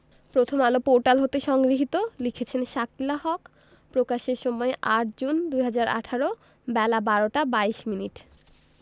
Prothom Alo portal হতে সংগৃহীত লিখেছেন শাকিলা হক প্রকাশের সময় ৮জুন ২০১৮ বেলা ১২টা ২২মিনিট